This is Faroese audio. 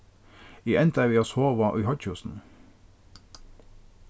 eg endaði við at sova í hoyggjhúsinum